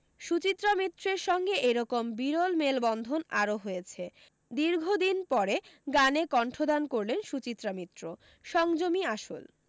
সুচিত্রা মিত্রের সঙ্গে এ রকম বিরল মেলবন্ধন আরও হয়েছে দীর্ঘদিন পরে গানে কন্ঠদান করলেন সুচিত্রা মিত্র সংযমি আসল